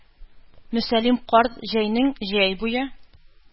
Мөсәллим карт җәйнең-җәй буе